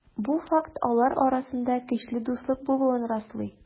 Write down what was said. Бу факт алар арасында көчле дуслык булуын раслый.